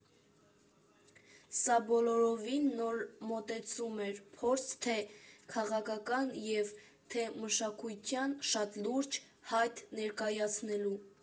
Սա բոլորովին նոր մոտեցում էր, փորձ թե՛ քաղաքական և թե՛ մշակութային շատ լուրջ հայտ ներկայացնելու։